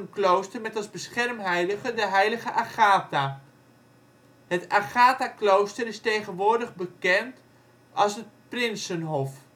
klooster met als beschermheilige de heilige Agatha. Het Agathaklooster is tegenwoordig bekend als het Prinsenhof